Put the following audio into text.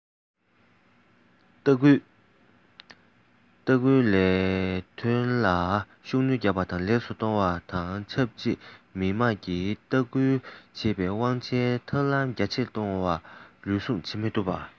ལྟ སྐུལ ལས དོན ལ ཤུགས སྣོན རྒྱག པ དང ལེགས སུ གཏོང བ དང ཆབས ཅིག མི དམངས ཀྱིས ལྟ སྐུལ བྱེད པའི དབང ཆའི ཐབས ལམ རྒྱ ཆེར བཏང སྟེ རུལ སུངས བྱེད མི ཐུབ པ